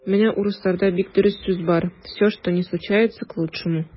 Менә урысларда бик дөрес сүз бар: "все, что ни случается - к лучшему".